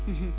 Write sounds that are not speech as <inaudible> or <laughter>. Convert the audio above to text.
<hesitation> <hesitation>